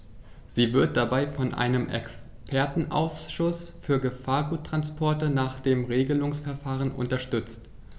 Sie wird dabei von einem Expertenausschuß für Gefahrguttransporte nach dem Regelungsverfahren unterstützt.